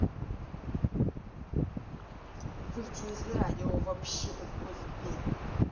выйти из радио вообще тупой сбер